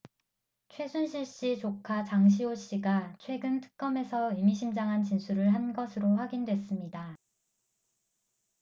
최순실 씨 조카 장시호 씨가 최근 특검에서 의미심장한 진술을 한 것으로 확인됐습니다